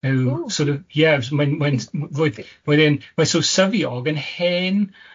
yw... Ww... sor' of.... Ie, mae'n mae'n s- m- r- roedd, roedd e'n, reit so syfiog yn hen